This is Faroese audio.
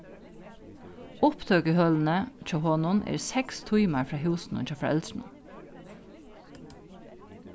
upptøkuhølini hjá honum eru seks tímar frá húsunum hjá foreldrunum